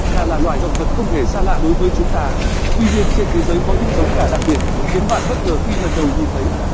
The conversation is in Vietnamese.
gà là loài động vật không hề xa lạ đối với chúng ta tuy nhiên trên thế giới có những giống gà đặc biệt khiến bạn bất ngờ khi lần đầu nhìn thấy